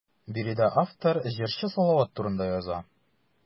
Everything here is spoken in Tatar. Биредә автор җырчы Салават турында яза.